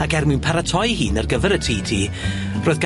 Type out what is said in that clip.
Ac er mwyn paratoi 'i hun ar gyfer y Tee Tee roedd